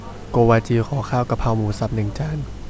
โกวาจีขอข้าวกะเพราหมูสับหนึ่งจาน